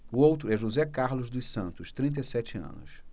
o outro é josé carlos dos santos trinta e sete anos